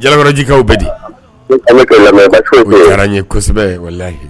Jalakɔrɔjikɛ bi kosɛbɛyi ala deyilayi an kosɛbɛ juguyalayilayi